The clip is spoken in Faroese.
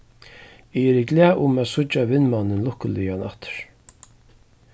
eg eri glað um at síggja vinmannin lukkuligan aftur